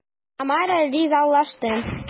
Тамара ризалашты.